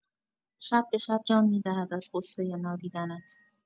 شب به شب جان می‌دهد از غصۀ نادیدنت